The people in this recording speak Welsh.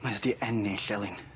Mae o 'di ennill Elin.